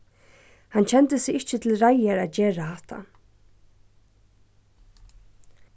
hann kendi seg ikki til reiðar at gera hatta